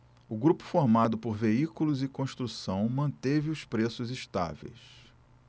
o grupo formado por veículos e construção manteve os preços estáveis